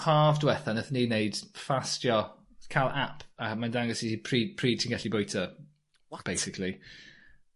haf dwetha nathon ni neud ffastio. Ca'l ap a ma'n dangos i chi pryd pryd ti'n gallu bwyta... What? ...basically*.